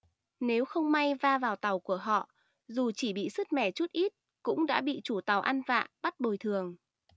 nếu không may va vào tàu của họ dù chỉ bị sứt mẻ chút ít cũng đã bị chủ tàu ăn vạ bắt bồi thường